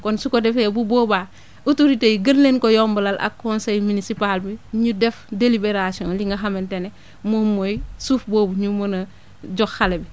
kon su ko defee bu boobaa autorité yi gën leen ko yombalal ak conseil municipal bi ñu def délibération li nga xamante ne moom mooy suuf boobu ñu mën a jox xale bi